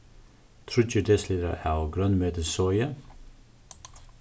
tríggir dl av grønmetissoði